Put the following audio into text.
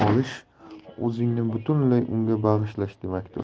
olish o'zingizni butunlay unga bag'ishlash demakdir